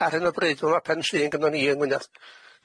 ar hyn o bryd ma' ma' pensiyn gynnon ni yng Ngwynedd.